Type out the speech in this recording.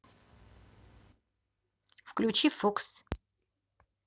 включи фокс